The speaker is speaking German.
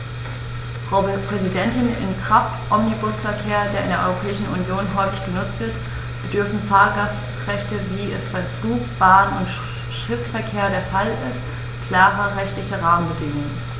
Frau Präsidentin, im Kraftomnibusverkehr, der in der Europäischen Union häufig genutzt wird, bedürfen Fahrgastrechte, wie es beim Flug-, Bahn- und Schiffsverkehr der Fall ist, klarer rechtlicher Rahmenbedingungen.